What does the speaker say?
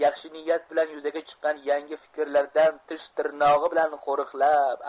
yaxshi niyat bilan yuzaga chiqqan yangi fikrlardan tish timogi bilan ko'riqlab